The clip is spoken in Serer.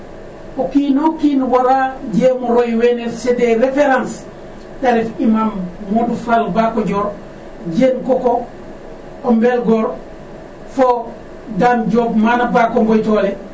O kiin o kiin wara jeem o roy wene c' est des référence; ta ref imaam Modu Fall Mbako Dior Diene coco o Mbelgoor fo Dame Diop mana Mbako Ngoythiole.